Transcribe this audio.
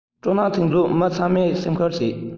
སྤྲོ སྣང ཚིག མཛོད མི ཚང མས སེམས ཁུར བྱེད